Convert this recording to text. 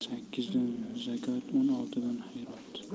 sakkizdan zakot o'n oltidan hayrot